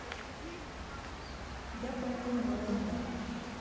я поэтому говорю да